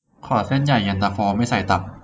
ขอเส้นใหญ่เย็นตาโฟไม่ใส่ตับ